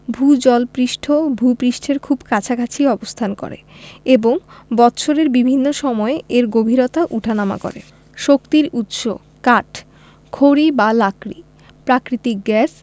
ভূ জল পৃষ্ঠ ভূ পৃষ্ঠের খুব কাছাকাছি অবস্থান করে এবং বৎসরের বিভিন্ন সময় এর গভীরতা উঠানামা করে শক্তির উৎসঃ কাঠ খড়ি বা লাকড়ি প্রাকৃতিক গ্যাস